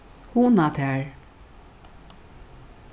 hugna tær